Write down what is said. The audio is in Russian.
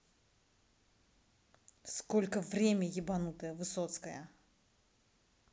сколько время ебанутая высоцкая